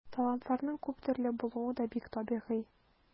Талантларның күп төрле булуы да бик табигый.